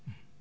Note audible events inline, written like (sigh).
(hesitation) (hesitation)